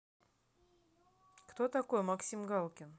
кто такой максим галкин